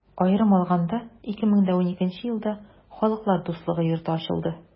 Аерым алаганда, 2012 нче елда Халыклар дуслыгы йорты ачылды.